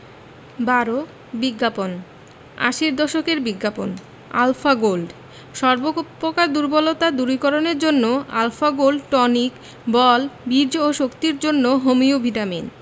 ১২ বিজ্ঞাপন আশির দশকের বিজ্ঞাপন আলফা গোল্ড সর্ব প্রকার দুর্বলতা দূরীকরণের জন্য আল্ ফা গোল্ড টনিক বল বীর্য ও শক্তির জন্য হোমিও ভিটামিন